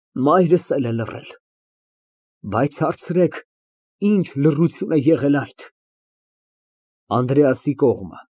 Մայրս էլ է լռել։ Բայց հարցրեք, ինչ լռություն է եղել այդ։ (Անդրեասի կողմ)